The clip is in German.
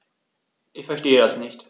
Ich verstehe das nicht.